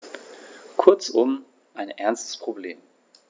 Kurzum, ein ernstes Problem.